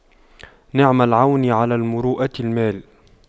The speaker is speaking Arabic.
نعم العون على المروءة المال